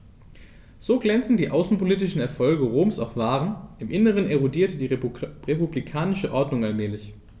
So glänzend die außenpolitischen Erfolge Roms auch waren: Im Inneren erodierte die republikanische Ordnung allmählich.